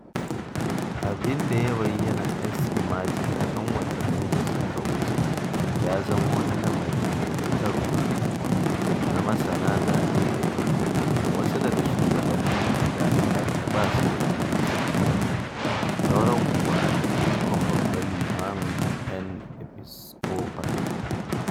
Abin da ya bayyana a St. Martin’s a ‘yan watanni da suka wuce ya zama wani labari mai ruɗarwa na masana zane da ‘yan kwangila, wasu da shugabannin majami’ar da ba su da ilimi suka kawo, sauran kuwa daga ikon babban limamin ‘yan Episcopal.